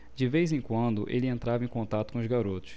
de vez em quando ele entrava em contato com os garotos